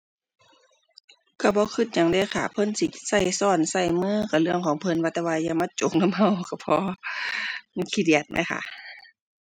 ก็บ่ก็หยังเดะค่ะ เพิ่นสิก็ก็ก็มือก็เรื่องของเพิ่น ว่าแต่ว่าอย่ามาจกนำก็ก็พอ นึกขี้เดียดแหมค่ะ